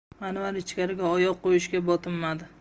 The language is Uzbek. anvar ichkariga oyoq qo'yishga botinmadi